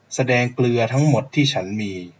แสดงเกลือทั้งหมดที่ฉันมี